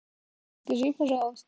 расскажи пожалуйста